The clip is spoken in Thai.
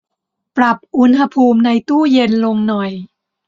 ปรับอุณหภูมิในตู้เย็นลงหน่อย